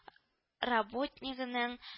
Работнигының